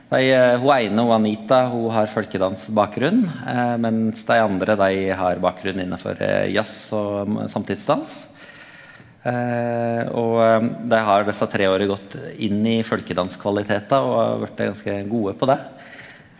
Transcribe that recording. dei ho eine, ho Anita, ho har folkedansbakgrunn mens dei andre dei har bakgrunn innafor jazz- og samtidsdans, og dei har desse tre åra gått inn i folkedanskvalitetar og har vorte ganske gode på det.